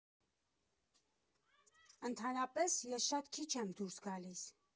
Ընդհանրապես ես շատ քիչ եմ դուրս գալիս։